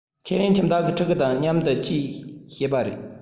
ཁས ལེན ཁྱིམ བདག གི ཕྲུ གུ དང མཉམ དུ ཅེས བཤད པ རེད